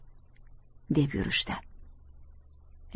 deb yurishdi